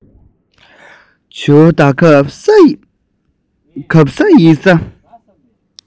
བྱིའུ དག གབ ས ཡིབ ས